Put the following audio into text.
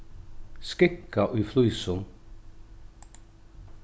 skinka í flísum